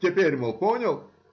— Теперь, мол, понял?